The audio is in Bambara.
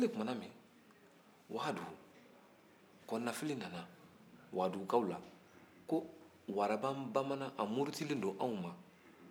kɔnɔnafili nana wagaduukaw la ko warabanbamanan a murutilen don anw ma